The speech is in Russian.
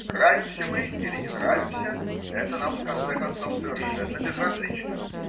Нравимся мы или не нравимся, это нам, в конце концов, совершенно безразлично.